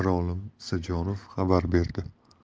mirolim isajonov xabar berdi